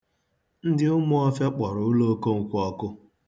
Ndị Ụmuọfịa kpọrọ ụlọ Okonkwọ ọkụ.